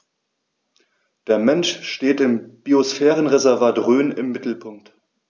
Der Mensch steht im Biosphärenreservat Rhön im Mittelpunkt.